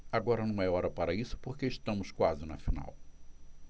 agora não é hora para isso porque estamos quase na final